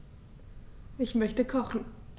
Ich möchte kochen.